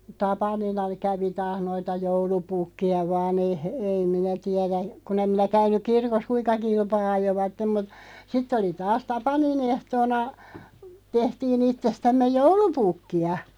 tapanina kävi taas noita joulupukkeja vain ei - ei minä tiedä kun en minä käynyt kirkossa kuinka kilpaa ajoivat mutta sitten oli taas tapanin ehtoona tehtiin itsestämme joulupukkia